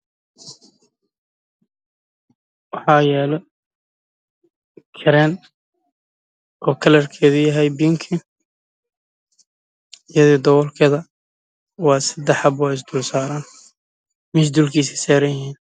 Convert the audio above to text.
Waxa yaalo kareen oo midabkeeda yahay binki